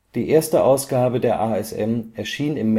Die erste Ausgabe der ASM erschien im